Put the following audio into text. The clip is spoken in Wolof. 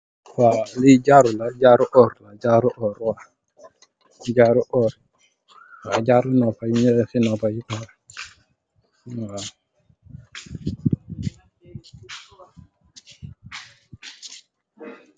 Waw li jaaru la jaaru oor la jaaru oor la jaaru oor jaaru nopa yun deh def si nopa bi.